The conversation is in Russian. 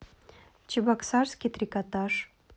чебоксарский трикотаж